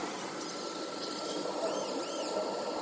такси пять